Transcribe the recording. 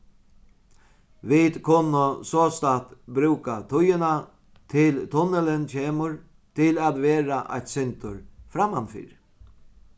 vit kunnu sostatt brúka tíðina til tunnilin kemur til at vera eitt sindur frammanfyri